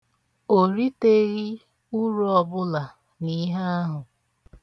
O riteghị uru ọbụla n'ihe ahụ.